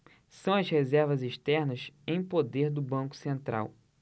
são as reservas externas em poder do banco central